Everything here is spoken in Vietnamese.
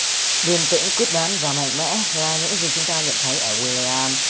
điềm tĩnh quyết đoán và mạnh mẽ là những gì chúng ta nhận thấy ở william